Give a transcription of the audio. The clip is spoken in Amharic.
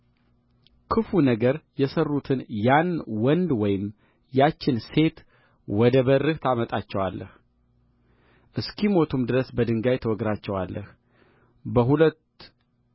ክፉ ነገር የሠሩትን ያን ወንድ ወይም ያችን ሴት ወደ በርህ ታመጣቸዋለህ እስኪሞቱም ድረስ በድንጋይ ትወግራቸዋለህ በሁለት